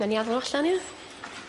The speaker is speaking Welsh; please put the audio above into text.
Nawn ni adal o allan ia?